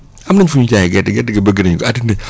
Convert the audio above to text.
am nañ fu ñuy jaayee gerte gerte gi bëgg nañ ko addina